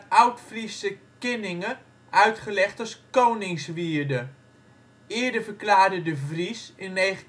Oudfriese kininge uitgelegd als " koningswierde ". Eerder verklaarde De Vries (1946